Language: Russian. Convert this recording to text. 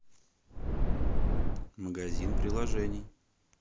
магазин приложений